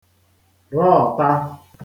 rọ̀ọta